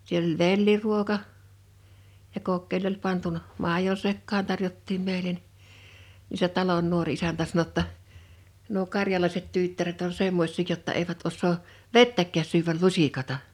siellä oli velliruoka ja kokkeli oli pantu maidon sekaan tarjottiin meille niin se talon nuori isäntä sanoi jotta nuo karjalaiset tyttäret on semmoisia jotta eivät osaa vettäkään syödä lusikatta